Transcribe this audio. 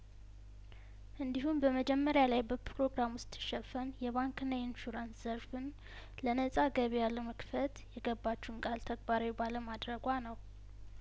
እንዲሁም በመጀመሪያላይበፕሮግራሙ ስት ሸፈን የባንክና የኢንሹራንስ ዘርፍን ለነጻ ገቢያለመክፈት የገባቸውን ቃል ተግባራዊ ባለማድረጓ ነው